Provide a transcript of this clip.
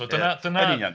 Dyna... dyna... Yn union.